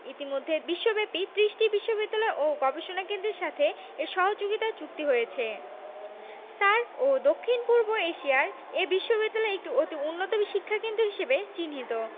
ইতোমধ্যে বিশ্বব্যাপী ত্রিশটি বিশ্ববিদ্যালয় ও গবেষণা কেন্দ্রের সাথে এর সহযোগিতা চুক্তি হয়েছে SAARC ও দক্ষিণ পূর্ব এশিয়ায় এ বিশ্ববিদ্যালয় একটি অতি উন্নত শিক্ষাক্ষেত্র হিসেবে চিহ্নিত